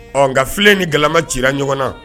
Ɔ nka filen ni galama cira ɲɔgɔn na